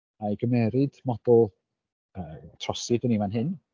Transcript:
wna i gymeryd model yy trosi sy gen i fan hyn.